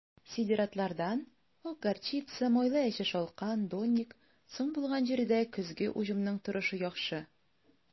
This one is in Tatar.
Сидератлардан (ак горчица, майлы әче шалкан, донник) соң булган җирдә көзге уҗымның торышы яхшы.